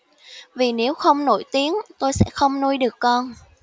vì nếu không nổi tiếng tôi sẽ không nuôi được con